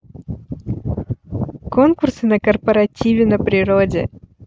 конкурсы на корпоративе на природе